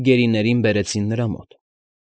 Գերիներին բերեցին նրա մոտ։